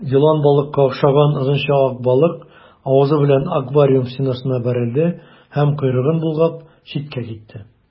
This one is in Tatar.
Елан балыкка охшаган озынча ак балык авызы белән аквариум стенасына бәрелде һәм, койрыгын болгап, читкә китте.